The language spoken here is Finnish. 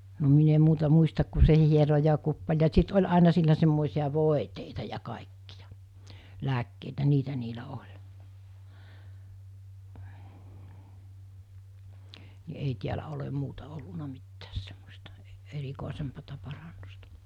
no minä en muuta muista kuin se hieroi ja kuppaili ja sitten oli aina sillä semmoisia voiteita ja kaikkia lääkkeitä niitä niillä oli niin ei täällä ole muuta ollut mitään semmoista - erikoisempaa parannusta